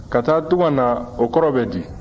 ka taa tunga na o kɔrɔ bɛ di